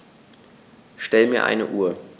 Stell mir eine Uhr.